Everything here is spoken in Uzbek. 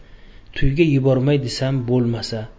to'yga yubormay desam bo'lmasa